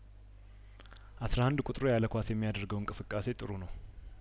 አስራ አንድ ቁጥሩ ያለኳስ የሚያደርገው እንቅስቃሴ ጥሩ ነው